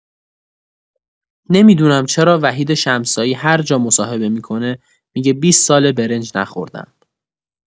نمی‌دونم چرا وحید شمسایی هرجا مصاحبه می‌کنه می‌گه بیست ساله برنج نخوردم؟